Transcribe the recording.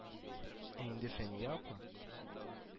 Ә инде Фәния апа